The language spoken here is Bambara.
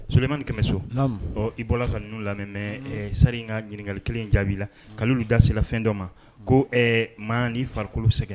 Solimani kɛmɛ so ɔ i bɔra la ka ninnuu lamɛn mɛ sari in ka ɲininkakali kelen in jaabi la kaolu dasifɛn dɔ ma ko maa ni farikolo sɛgɛng